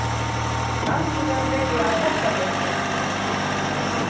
handilin liggur á toftabrekku